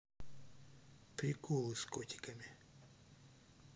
приколы с котиками